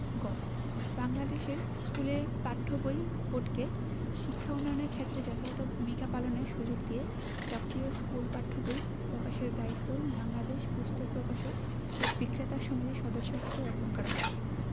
গ বাংলাদেশের স্কুলে পাঠ্য বই বোর্ডকে শিক্ষা উন্নয়নের ক্ষেত্রে যথাযথ ভূমিকা পালনের সুযোগ দিয়ে যাবতীয় স্কুল পাঠ্য বই প্রকাশের দায়িত্ব বাংলাদেশ পুস্তক প্রকাশক ও বিক্রেতা সমিতির সদস্যদের হাতে অর্পণ করা হোক